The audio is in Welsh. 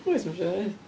Wyt, mae'n siŵr, ia.